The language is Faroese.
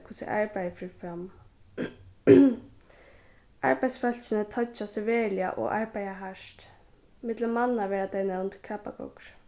hvussu arbeiðið fer fram arbeiðsfólkini toyggja seg veruliga og arbeiða hart millum manna verða tey nevnd krabbagoggur